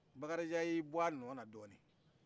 bikarijan y'i bɔ a nɔna dɔɔni